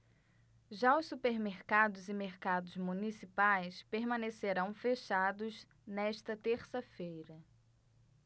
já os supermercados e mercados municipais permanecerão fechados nesta terça-feira